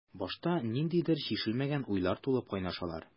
Башта ниндидер чишелмәгән уйлар тулып кайнашалар.